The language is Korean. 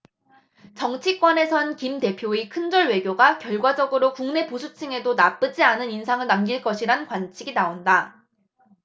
정치권에선 김 대표의 큰절 외교가 결과적으로 국내 보수층에도 나쁘지 않은 인상을 남길 것이란 관측이 나온다